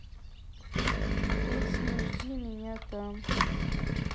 песня жди меня там